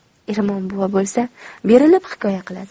ermon buva bo'lsa berilib hikoya qiladi